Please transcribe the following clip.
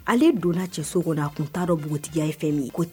Ale donna cɛso kɔnɔ a tun t'a dɔn npogotigiya ye fɛn min ye.